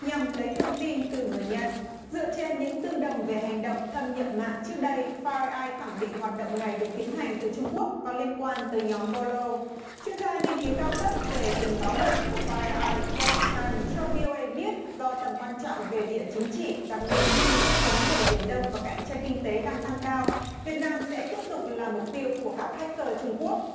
nhằm lấy thông tin từ người nhận dựa trên những tương đồng về hành động thâm nhập mạng trước đây phai ai khẳng định hoạt động này được tiến hành từ trung quốc có liên quan tới nhóm bo lô chuyên gia nghiên cứu cao cấp về tình báo mạng của phai ai phét len cho vi ô ây biết do tầm quan trọng về địa chính trị đặc biệt khi các vấn đề biển đông và cạnh tranh kinh tế đang tăng cao việt nam sẽ tiếp tục là mục tiêu của các hách cơ trung quốc